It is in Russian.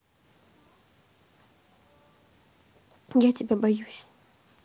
я тебя боюсь